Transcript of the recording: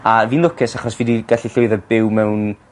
a fi'n llwcus achos fi 'di gallu llwyddo byw mewn